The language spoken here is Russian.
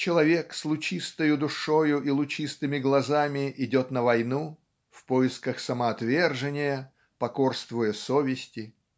человек с лучистою душою и лучистыми глазами идет на войну в поисках самоотвержения покорствуя совести.